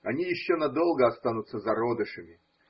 Они еще надолго останутся зародышами.